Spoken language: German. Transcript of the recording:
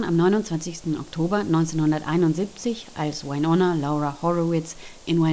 29. Oktober 1971 als Winona Laura Horowitz in